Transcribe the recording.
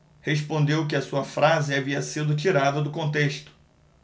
respondeu que a sua frase havia sido tirada do contexto